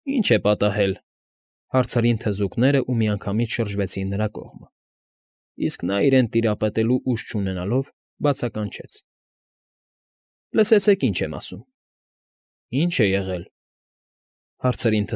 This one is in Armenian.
Ի՞նչ է պատահել,֊հարցրին թզուկները ու միանգամից շրջվեցին նրա կողմը, իսկ նա, իրեն տիրապետելու ուժ չունենալով, բացականչեց. ֊ Լսեցեք, թե ինչ եմ ասում… ֊ Ի՞նչ է եղել, ֊ հարցրին։